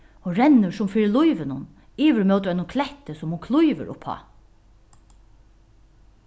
hon rennur sum fyri lívinum yvir móti einum kletti sum hon klívur uppá